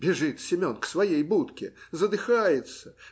Бежит Семен к своей будке, задыхается.